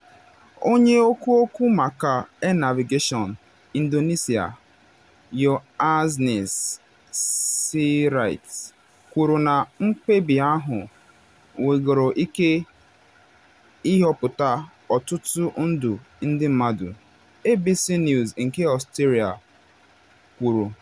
Onye okwu okwu maka Air Navigation Indonesia, Yohannes Sirait, kwuru na mkpebi ahụ nwegoro ike ịzọpụta ọtụtụ ndụ ndị mmadụ, ABC News nke Australia kwuru.